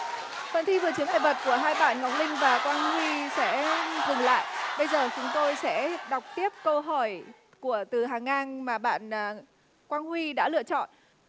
phần thi vượt chướng ngại vật của hai bạn ngọc linh và quang huy sẽ dừng lại bây giờ chúng tôi sẽ đọc tiếp câu hỏi của từ hàng ngang mà bạn à quang huy đã lựa chọn